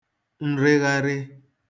nrịgharị